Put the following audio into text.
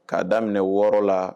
Ka daminɛ 6 la